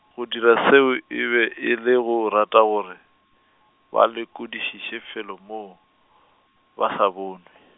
Go dira seo e be e le go rata gore ba lekodišiše felo moo ba sa bonwe.